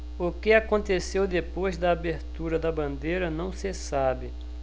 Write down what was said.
o que aconteceu depois da abertura da bandeira não se sabe